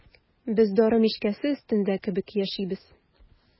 Без дары мичкәсе өстендә кебек яшибез.